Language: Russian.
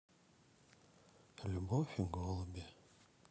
любовь и голубые